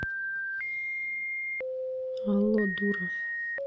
алло дура